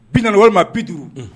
Bi naani walima bi duuru, un